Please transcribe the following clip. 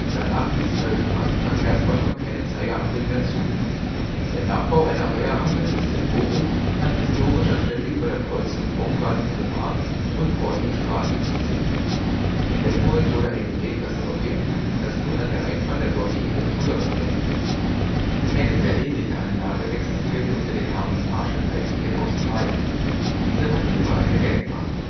danach ließ die neue Straßenverkehrsordnung keine Zeigerampeln mehr zu. Der Nachbau einer Heuerampel ist in Bochum an historischer Stelle über der Kreuzung Bongard Boulevard/Kortumstraße zu sehen. In Detmold wurde ein Gerät restauriert, das nun an der Einfahrt der dortigen Hochschule aufgehängt ist. Eine sehr ähnliche Anlage existierte unter dem Namen Marshalite in Australien. Diese hatte sogar eine Gelbphase